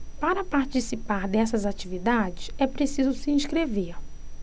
para participar dessas atividades é preciso se inscrever